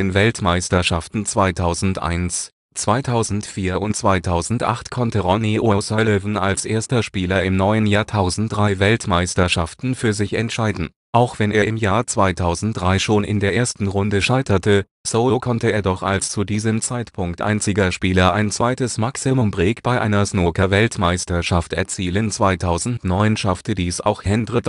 Weltmeisterschaften 2001, 2004 und 2008 konnte Ronnie O’ Sullivan als erster Spieler im neuen Jahrtausend drei Weltmeisterschaften für sich entscheiden. Auch wenn er im Jahr 2003 schon in der ersten Runde scheiterte, so konnte er doch als zu diesem Zeitpunkt einziger Spieler ein zweites Maximum Break bei einer Snookerweltmeisterschaft erzielen. 2009 schaffte dies auch Hendry